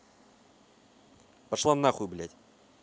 пошла нахуй блядь